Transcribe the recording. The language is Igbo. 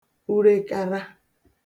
urekara